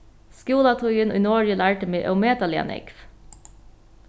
skúlatíðin í noregi lærdi meg ómetaliga nógv